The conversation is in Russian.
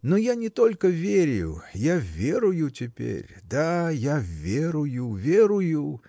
но я не только верю, -- я верую теперь, да -- я верую, верую.